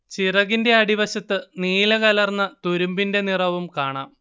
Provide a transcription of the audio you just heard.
ചിറകിന്റെ അടിവശത്ത് നീലകലർന്ന തുരുമ്പിന്റെ നിറവും കാണാം